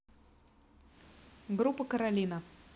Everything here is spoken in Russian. группа каролина